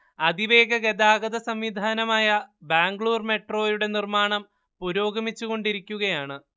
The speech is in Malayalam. അതിവേഗ ഗതാഗത സംവിധാനമായ ബാംഗ്ലൂർ മെട്രോയുടെ നിർമ്മാണം പുരോഗമിച്ചു കൊണ്ടിരിക്കുകയാണ്